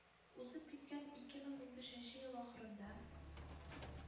Узып киткән ике мең унбишенче ел ахырында